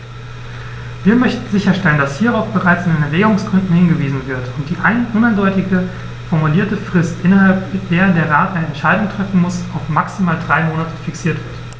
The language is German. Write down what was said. Wir möchten sicherstellen, dass hierauf bereits in den Erwägungsgründen hingewiesen wird und die uneindeutig formulierte Frist, innerhalb der der Rat eine Entscheidung treffen muss, auf maximal drei Monate fixiert wird.